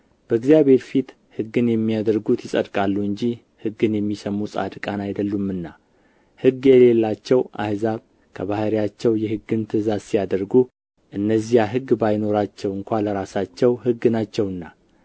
በእግዚአብሔር ፊት ሕግን የሚያደርጉት ይጸድቃሉ እንጂ ሕግን የሚሰሙ ጻድቃን አይደሉምና ሕግ የሌላቸው አሕዛብ ከባሕርያቸው የሕግን ትእዛዝ ሲያደርጉ እነዚያ ሕግ ባይኖራቸው እንኳ ለራሳቸው ሕግ ናቸውና